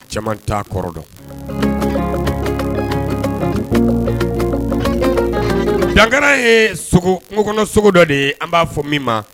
Cɛman t'a kɔrɔ dɔn dankarara ye n kɔnɔso dɔ de ye an b'a fɔ min ma